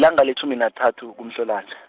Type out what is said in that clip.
-langa letjhumi nathathu kuMhlolanja.